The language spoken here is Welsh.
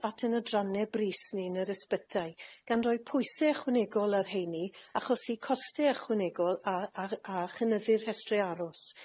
At 'yn adrannau brys ni yn yr ysbytai, gan roi pwyse ychwanegol ar 'heini, achosi coste ychwanegol, a a a chynyddu'r rhestre aros.